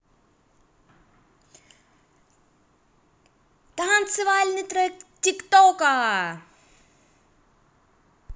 танцевать трек тик тока